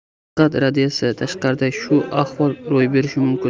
faqat radiatsiya tasiridangina shu ahvol ro'y berishi mumkin